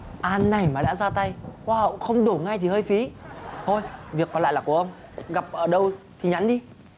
an này mà đã ra tay hoa hậu không đổ ngay thì hơi phí thôi việc còn lại là của ông gặp ở đâu thì nhắn đi